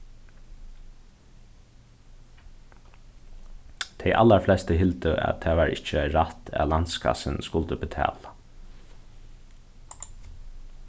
tey allarflestu hildu at tað var ikki rætt at landskassin skuldi betala